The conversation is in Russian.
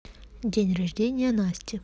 день рождения насти